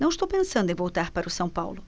não estou pensando em voltar para o são paulo